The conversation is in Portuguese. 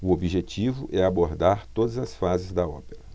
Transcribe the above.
o objetivo é abordar todas as fases da ópera